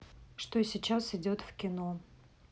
что сейчас идет в кино